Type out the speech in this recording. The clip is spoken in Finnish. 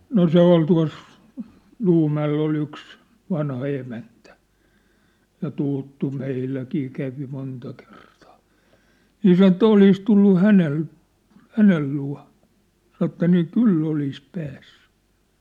no se oli tuossa Luumäellä oli yksi vanha emäntä ja tuttu meilläkin kävi monta kertaa niin sanoi että olisi tullut hänen hänen luo sanoi että niin kyllä olisi päässyt